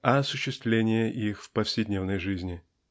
а осуществление в повседневной жизни.